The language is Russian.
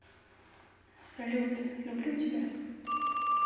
салют люблю тебя